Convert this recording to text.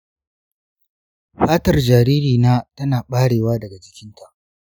fatar jaririna tana barewa daga jikinta.